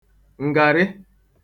ǹgàrị